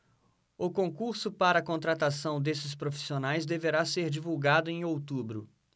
o concurso para contratação desses profissionais deverá ser divulgado em outubro